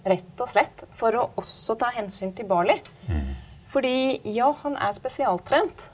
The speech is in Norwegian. rett og slett for å også ta hensyn til Barley, fordi ja han er spesialtrent.